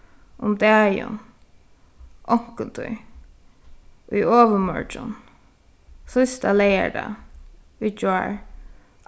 um dagin onkuntíð í ovurmorgin síðsta leygardag í gjár